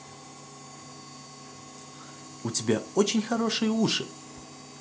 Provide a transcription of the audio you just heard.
у тебя очень хорошие уши